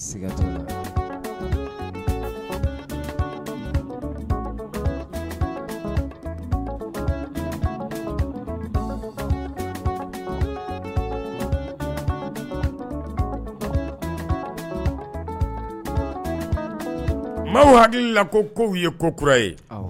Maaw hakili la ko kow ye ko kura ye